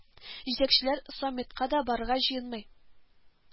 Җитәкчеләр саммитка да барырга җыенмый